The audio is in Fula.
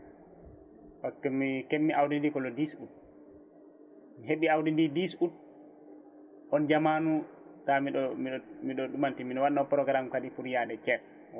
par ce que mi kebbmi awdi ndi ko le 10 Aôut mi heeɓi awdi ndi 10 Aôut on jamanu taw mbiɗo mbiɗo ɗumantini mbiɗo wanno programme kadi pour yaade Thiés